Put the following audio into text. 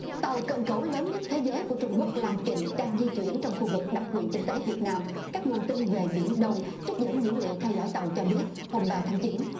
tàu cần cẩu lớn nhất thế giới của trung quốc lam kỉnh đang di chuyển trong khu vực đặc quyền kinh tế việt nam các nguồn tin về biển đông trích dẫn dữ liệu theo dõi tàu cho biết hôm ba tháng chín